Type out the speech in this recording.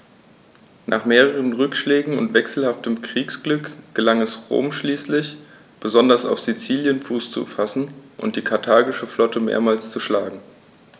Nach mehreren Rückschlägen und wechselhaftem Kriegsglück gelang es Rom schließlich, besonders auf Sizilien Fuß zu fassen und die karthagische Flotte mehrmals zu schlagen.